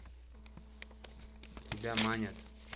тебя манят